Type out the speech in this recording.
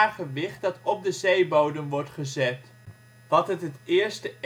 gewicht dat op de zeebodem wordt gezet), wat het het eerste